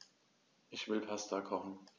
Ich will Pasta kochen.